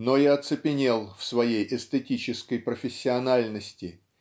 но и оцепенел в своей эстетической профессиональности